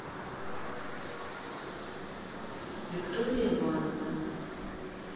виктория ивановна